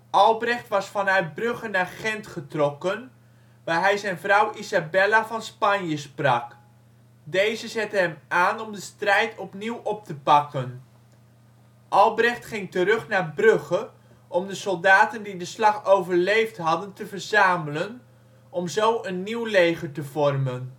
Albrecht was vanuit Brugge naar Gent getrokken, waar hij zijn vrouw Isabella van Spanje sprak. Deze zette hem aan om de strijd opnieuw op te pakken. Albrecht ging terug naar Brugge om de soldaten die de slag overleefd hadden te verzamelen, om zo een nieuw leger te vormen